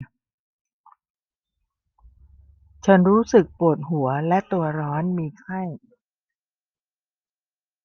ฉันรู้สึกปวดหัวและตัวร้อนมีไข้